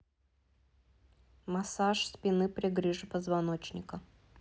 массаж спины при грыже позвоночника